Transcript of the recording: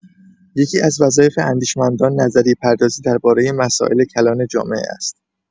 یکی‌از وظایف اندیشمندان، نظریه‌پردازی درباره مسائل کلان جامعه است.